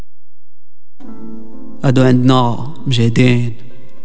ادناه جديد